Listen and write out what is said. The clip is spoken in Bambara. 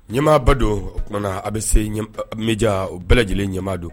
Ɲɛmaa ba don o tumana a bɛ se média bɛɛ lajɛlen ɲɛmaa don.